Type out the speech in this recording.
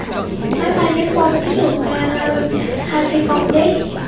máy bay ném bom chiến lược nga rơi hai phi công chết